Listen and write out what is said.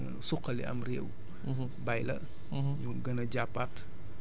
xa wax leen ni moom li mën a suqali am réew